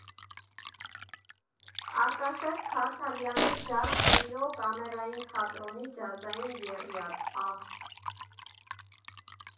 Արտաշես Քարթալյանի ջազ տրիո Կամերային թատրոնի ջազային եռյակ Ա.